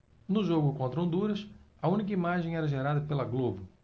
no jogo contra honduras a única imagem era gerada pela globo